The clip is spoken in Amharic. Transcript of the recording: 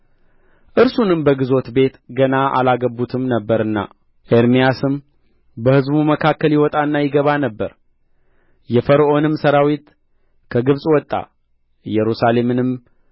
እርሱንም በግዞት ቤት ገና አላገቡትም ነበርና ኤርምያስ በሕዝቡ መካከል ይወጣና ይገባ ነበር የፈርዖንም ሠራዊት ከግብጽ ወጣ ኢየሩሳሌምንም